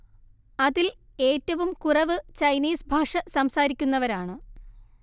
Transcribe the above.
അതിൽ ഏറ്റവും കുറവ് ചൈനീസ് ഭാഷ സംസാരിക്കുന്നവരാണ്